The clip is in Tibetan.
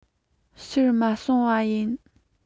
ཕྱིར མ སོང བ ཡིན